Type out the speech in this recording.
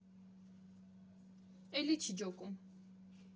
Էլի չի ջոկում։